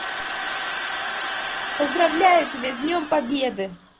поздравляю тебя с днем победы